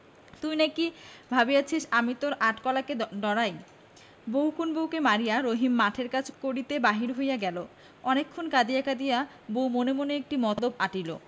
তুই কি ভাবিয়াছি আমি তোর আট কলাকে ডরাই বহুক্ষণ বউকে মারিয়া রহিম মাঠের কাজ করিতে বাহির হইয়া গেল অনেকক্ষণ কাঁদিয়া কাঁদিয়া বউ মনে মনে একটি মতলব আঁটিল